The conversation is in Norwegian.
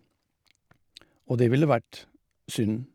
Og det ville vært synd.